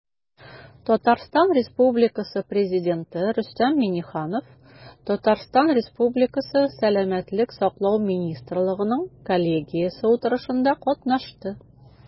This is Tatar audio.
Татарстан Республикасы Президенты Рөстәм Миңнеханов ТР Сәламәтлек саклау министрлыгының коллегиясе утырышында катнашты.